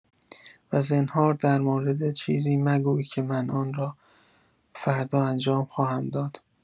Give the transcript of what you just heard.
و زنهار در مورد چیزی مگوی که من آن را فردا انجام خواهم داد.